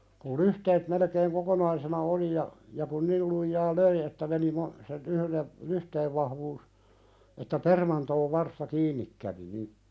kun lyhteet melkein kokonaisena oli ja ja kun niillä lujaa löi että meni - sen yhden lyhteen vahvuus että permantoon varsta kiinni kävi niin